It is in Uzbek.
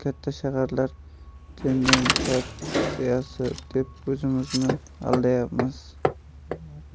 katta shaharlar tendensiyasi deb o'zimizni aldayapmiz